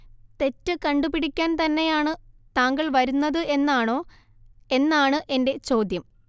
തെറ്റ് കണ്ടു പിടിക്കാൻ തന്നെയാണ് താങ്കൾ വരുന്നത് എന്നാണോ എന്നാണ് എന്റെ ചോദ്യം